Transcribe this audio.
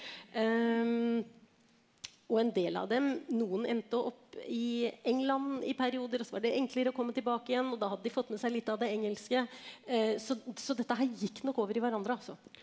og en del av dem noen endte opp i England i perioder og så var det enklere å komme tilbake igjen og da hadde de fått med seg litt av det engelske, så så dette her gikk nok over i hverandre altså.